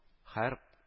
Һәр